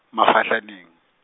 Mafahlaneng.